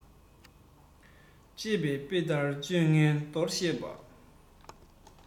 ཅེས པའི དཔེ ལྟར སྤྱོད ངན འདོར ཤེས པ